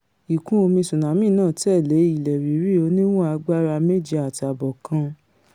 Ìkún-omi tsunami náà tẹ̀lé ilẹ̀ rírì oníwọ̀n agbára 7.5 kan.